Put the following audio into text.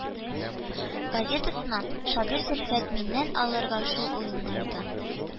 Газетасыннан шагыйрь зөлфәт миннән аларга шул уңайдан